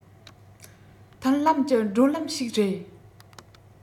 མཐུན ལམ གྱི བགྲོད ལམ ཞིག རེད